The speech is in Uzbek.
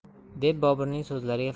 deb boburning so'zlariga